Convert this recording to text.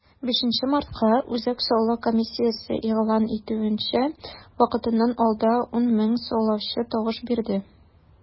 5 мартка, үзәк сайлау комиссиясе игълан итүенчә, вакытыннан алда 10 мең сайлаучы тавыш бирде.